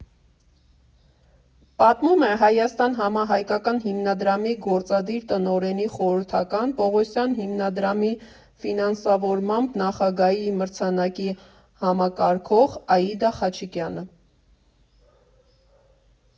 Պատմում է «Հայաստան» համահայկական հիմնադրամի գործադիր տնօրենի խորհրդական, Պողոսյան հիմնադրամի ֆինանսավորմամբ Նախագահի մրցանակի համակարգող Աիդա Խաչիկյանը։